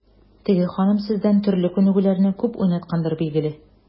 Теге ханым сездән төрле күнегүләрне күп уйнаткандыр, билгеле.